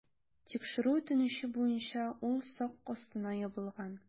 Тикшерү үтенече буенча ул сак астына ябылган.